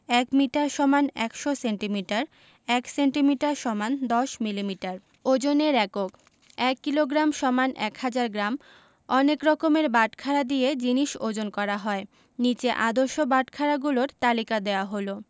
১ metre = ১০০ centimetre ১ centimetre = ১০ millimetre ওজনের এককঃ ১ kilogram = ১০০০ gram অনেক রকমের বাটখারা দিয়ে জিনিস ওজন করা হয় নিচে আদর্শ বাটখারাগুলোর তালিকা দেয়া হলঃ